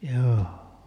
joo